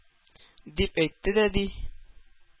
— дип әйтте дә, ди